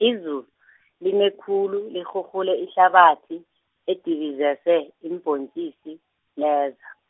izulu , line khulu lirhurhule ihlabathi, edibizese iimbontjisi leza.